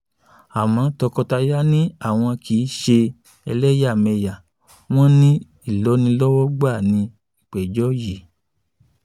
Àmọ́ tọkọtaya ni àwọn kì í ṣe ẹlẹ́yàmẹyà. Wọn ní “ìlónilọ́wọ́gbà” ni ìpẹ́jọ yí.